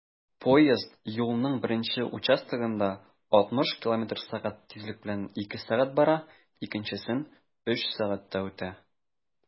Поезд юлның беренче участогында 60 км/сәг тизлек белән 2 сәг. бара, икенчесен 3 сәгатьтә үтә.